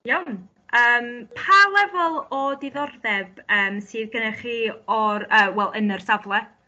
Iawn ymm pa lefyl o diddordeb ymm sydd gennych chi o'r yym wel yn yr safle?